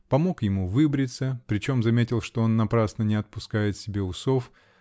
Помог ему выбриться, причем заметил, что он напрасно не отпускает себе усов